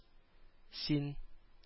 Син